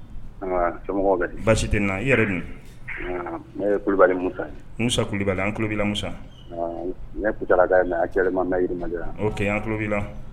Han somɔgɔw bɛ di? Baasi tɛ yen i yɛrɛ dun? Han ne ye kulubali Musa ye . Musa kulubali an kulo b'i la Musa. Ne ye kucala ka ye nka actuellement n bɛ yirimajɔ yan.